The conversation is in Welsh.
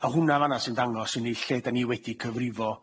A hwnna fan'a sy'n ddangos i ni lle dan ni wedi cyfrifo.